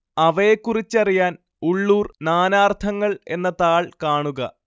അവയെക്കുറിച്ചറിയാൻ ഉള്ളൂർ നാനാർത്ഥങ്ങൾ എന്ന താൾ കാണുക